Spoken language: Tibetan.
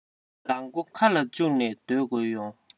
ལག མགོ ཁ ལ བཅུག ནས སྡོད དགོས ཡོང